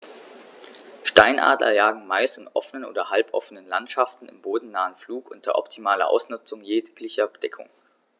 Steinadler jagen meist in offenen oder halboffenen Landschaften im bodennahen Flug unter optimaler Ausnutzung jeglicher Deckung.